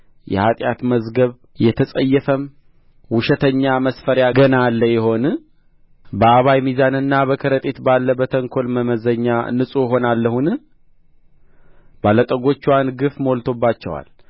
የኃጢአት መዝገብ የተጸየፈም ውሽተኛ መስፈሪያ ገና አለ ይሆን በአባይ ሚዛንና በከረጢት ባለ በተንኰል መመዘኛ ንጹሕ እሆናለሁን ባለ ጠጎችዋን ግፍ ሞልቶባቸዋል